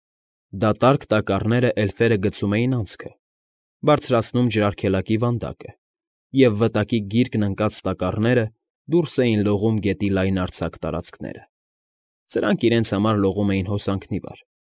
Դատարկ տակառները էլֆերը գցում էին անցքը, բարձրացնում ջրարգելակի վանդակը, և վտակի գիրկն ընկած տակառները դուրս էին լողում գետի լայնարձակ տարածքները. սրանք իրենց համար լողում էին հոսանքն ի վար,